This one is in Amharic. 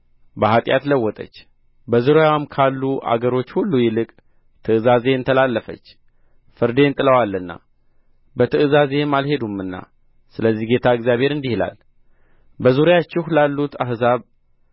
በኃጢአት ለወጠች በዙሪያዋም ካሉ አገሮች ሁሉ ይልቅ ትእዛዜን ተላለፈች ፍርዴን ጥለዋልና በትእዛዜም አልሄዱምና ስለዚህ ጌታ እግዚአብሔር እንዲህ ይላል በዙሪያችሁ ላሉት አሕዛብ